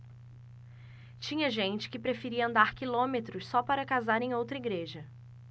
tinha gente que preferia andar quilômetros só para casar em outra igreja